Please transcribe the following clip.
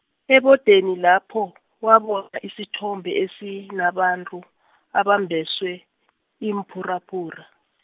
ebodeni lapho , wabona isithombe esinabantu, abambeswe, iimphuraphura.